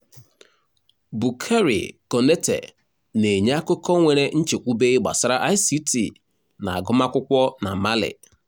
Boukary Konaté na-enye akụkọ nwere nchekwube gbasara ICT na agụmakwụkwọ na Mali.